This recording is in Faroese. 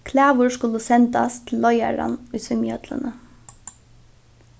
klagur skulu sendast til leiðaran í svimjihøllini